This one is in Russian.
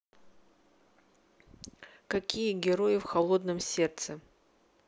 какие герои в холодном сердце